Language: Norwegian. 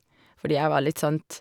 Fordi jeg var litt sånt...